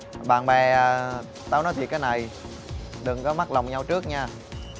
bạn bè ờ tao nói thiệt cái này đừng có mất lòng nhau trước nha